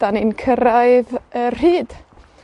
'dan ni'n cyrraedd y rhyd.